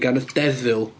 Gan y Devil.